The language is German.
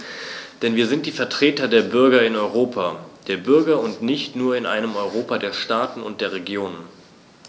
Denn wir sind die Vertreter der Bürger im Europa der Bürger und nicht nur in einem Europa der Staaten und der Regionen.